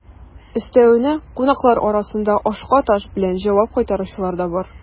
Өстәвенә, кунаклар арасында ашка таш белән җавап кайтаручылар да бар.